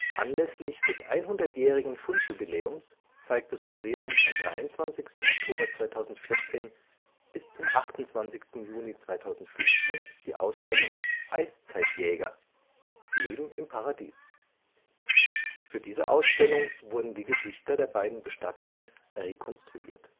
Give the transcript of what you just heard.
Anlässlich des 100-jährigen Fundjubiläums zeigt das Museum vom 23. Oktober 2014 bis zum 28. Juni 2015 die Ausstellung Eiszeitjäger – Leben im Paradies. Für diese Ausstellung wurden die Gesichter der beiden Bestatteten rekonstruiert